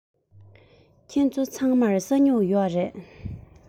ཁྱེད ཚོ ཚང མར ས སྨྱུག ཡོད རེད